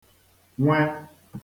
nwe